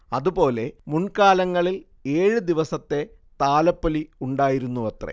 അതുപോലെ മുൻ കാലങ്ങളിൽ ഏഴ് ദിവസത്തെ താലപ്പൊലി ഉണ്ടായിരുന്നുവത്രെ